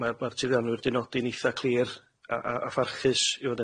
ma'r ma'r tirfeiddianwyr 'di nodi'n eitha' clir a a a pharchus i fod